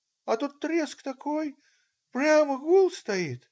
а тут треск такой, прямо гул стоит.